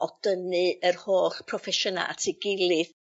o dynnu yr holl proffesiyna at 'i gilydd